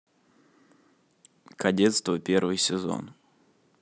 кадетство первый сезон